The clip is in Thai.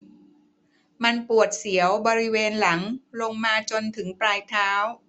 มันปวดเสียวบริเวณหลังลงมาจนถึงปลายเท้า